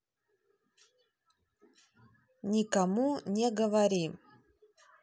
никому не говори